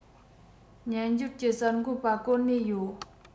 སྨྱན སྦྱོར གྱི གསར འགོད པ བསྐོར ནས ཡོད